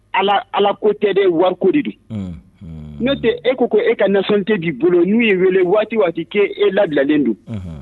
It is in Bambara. Ala ala ko tɛ waatiko de n'o tɛ e ko ko e ka tɛ'i bolo n'u ye wele waati waati k' e labilalen don